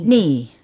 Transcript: niin